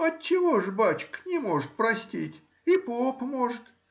— Отчего же, бачка, не может простить? — и поп может.